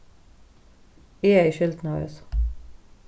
eg hevði skyldina av hesum